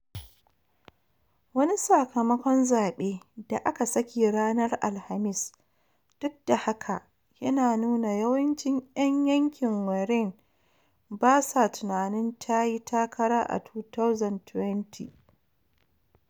Wani sakamakon zabe da aka saki ranar Alhamis, duk da haka, ya nuna yawancin ‘yan yankin Warren basa tunanin tayi takara a 2020.